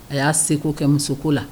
A y'a seko kɛ musoko la